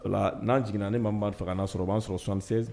O la n'an jiginna, ni mɔgɔ min b'a fɛ k'an lasɔrɔ, o b'an lsɔrɔ 76